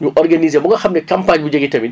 ñu organiser ba nga xam ne campagne bu jógee tamit